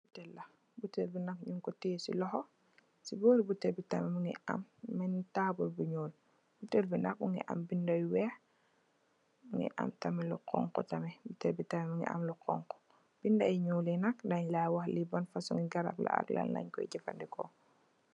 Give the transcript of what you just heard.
Buteel la, buteel bi nak nung ko tè ci loho, ci boori buteel bi tamit mungi am neni taabl bu ñuul. buteel bi nag mungi am binda yu weeh, mu ngi am tamit lu honku tamit. Buteel bi tamit mungi am lu honku. Binda yu ñuul yu nak den la wah li ban fasung garab la, ak lan leen koy jafadeko.